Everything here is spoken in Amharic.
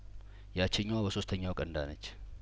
ያቺኛዋ በሶስተኛው ቀን ዳነች